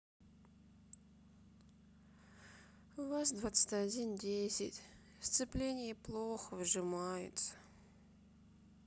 ваз двадцать один десять сцепление плохо выжимается